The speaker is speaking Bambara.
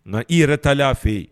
Na i yɛrɛ ta y'a fɛ yen